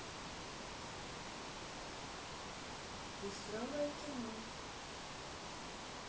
веселое кино